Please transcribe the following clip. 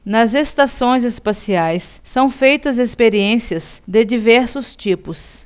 nas estações espaciais são feitas experiências de diversos tipos